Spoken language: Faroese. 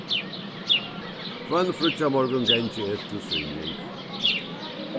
hvønn fríggjamorgun gangi eg til svimjing